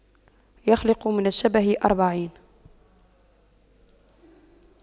يخلق من الشبه أربعين